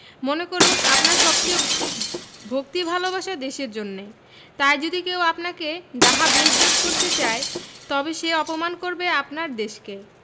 মনে করুন আপনার সবচেয়ে ভক্তি ভালবাসা দেশের জন্য তাই যদি কেউ আপনাকে ডাহা বেইজ্জত করতে চায় তবে সে অপমান করবে আপনার দেশকে